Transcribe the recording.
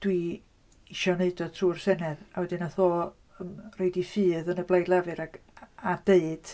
Dwi isio wneud o trwy'r Senedd. A wedyn wnaeth o yy roi ei ffydd yn y Blaid Lafur ac a deud...